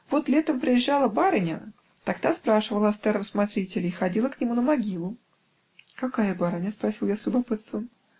Вот летом проезжала барыня, так та спрашивала о старом смотрителе и ходила к нему на могилу. -- Какая барыня? -- спросил я с любопытством.